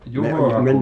Juhohan